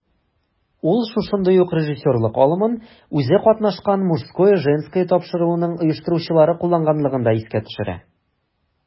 Ул шушындый ук режиссерлык алымын үзе катнашкан "Мужское/Женское" тапшыруының оештыручылары кулланганлыгын искә төшерә.